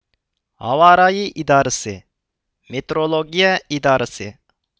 ھاۋارايى ئىدارىسى مىترولوگىيە ئىدارىسى